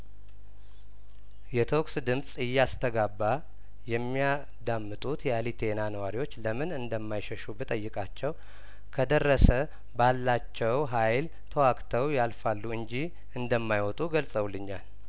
የተኩስ ድምጽ እያስተጋባ የሚያዳምጡት የአሊቴና ነዋሪዎች ለምን እንደማይሸሹ ብጠይቃቸው ከደረሰ ባላቸው ሀይል ተዋግተው ያልፋሉ እንጂ እንደማይወጡ ገልጸውልኛል